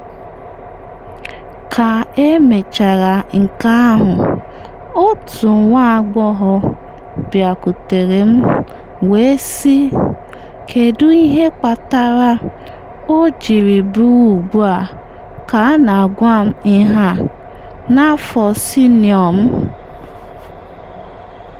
‘Ka emechara nke ahụ otu nwa agbọghọ biakwutere m nwee sị: ‘Kedu ihe kpatara o jiri bụrụ ugbu a ka a na-agwa m ihe a, n’afọ senịọ m?’